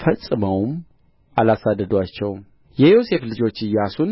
ፈጽመውም አላሳደዱአቸውም የዮሴፍ ልጆች ኢያሱን